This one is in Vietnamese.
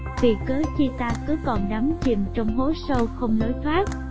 vì cớ chi ta cứ còn đắm chìm trong hố sâu không lối thoát